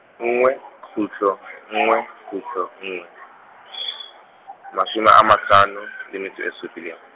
nngwe , kgutlo, nngwe, kgutlo nngwe , mashome a mahlano, le metso e supileng.